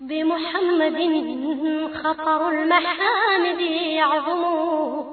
Denmuunɛgɛningɛningɛnin yo